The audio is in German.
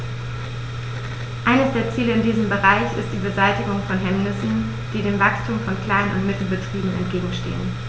Eines der Ziele in diesem Bereich ist die Beseitigung von Hemmnissen, die dem Wachstum von Klein- und Mittelbetrieben entgegenstehen.